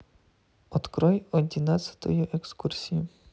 открой одиннадцатую экскурсию